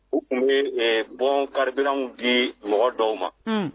U tun bɛ bɔ karibiw bi mɔgɔ dɔw ma